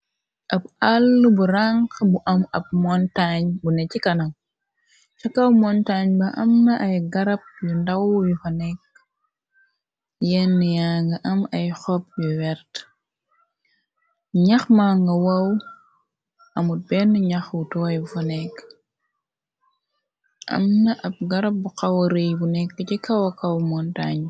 Ab àll bu ranx bu am ab montaañ bu ne ci kanam, ca kaw montañ ba am na ay garab yu ndaw yu fa nekk, yenn yang am ay xob yu wert, ñax ma nga waw, amut benn ñax u tooy bu fa nekk, am na ab garab bu xawa rey bu nekk ci kawa kaw montañ.